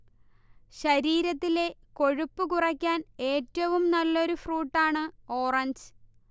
ശരീരത്തിലെ കൊഴുപ്പ് കുറയ്ക്കാൻഏറ്റവും നല്ലൊരു ഫ്രൂട്ടാണ് ഓറഞ്ച്